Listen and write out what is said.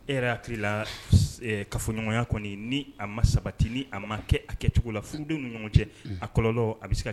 E hakili la ka fɔɲɔgɔnya kɔni ni a ma sabati ni a ma kɛ a kɛ cogo la furuden ni ɲɔgɔn cɛ a kɔlɔ a bɛ se